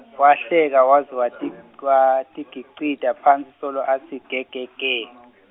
wahleka waze wati- watigicita phansi solo atsi gegege .